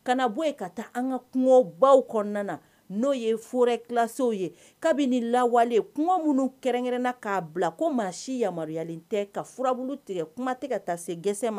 Bɔ an ka kungo baw kɔnɔna n'o ye furalasow ye kabini lawale kungo minnu kɛrɛnkɛrɛn na k'a bila ko maa si yamaruyayalen tɛ ka furabu tigɛ kuma tɛ ka taa se gesesɛ ma